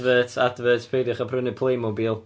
Adverts adverts peidiwch â prynu Playmobil.